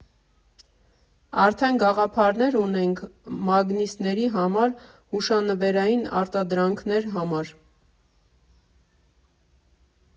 Արդեն գաղափարներ ունենք մագնիսների համար, հուշանվերային արտադրանքներ համար։